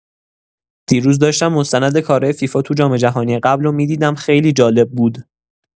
دیروز داشتم مستند کارای فیفا تو جام‌جهانی قبلو می‌دیدم، خیلی جالب بود!